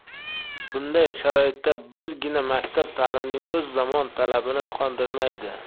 bunday sharoitda birgina maktab ta'limining o'zi zamon talabini qondirmaydi